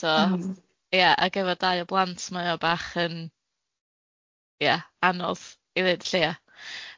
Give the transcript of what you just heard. So ia ac efo dau o blant mauo bach yn ia anodd a deud y lleia